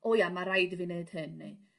O ia ma' raid i fi neud hyn neu